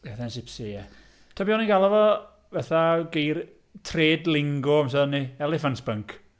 Tithen sipsi, ie. Tibod beth o'n i'n galw fo, fatha geir- trade lingo pan o'n i'n elephant spunk.